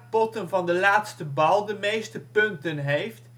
van de laatste bal de meeste punten heeft